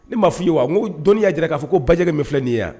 Ne maa f'i ye wa n ko dɔnni y'a jira k'a fɔ ko bajɛlɛ min filɛ nin y'aa